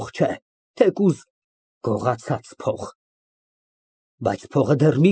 Այնտեղ լուսո մի շերտ, թեք գծով անցնելով բեմով, ընկել է դաշնամուրի վրա, որի քով Մարգարիտը նստած նվագում է ինչ֊որ թախծալի եղանակ։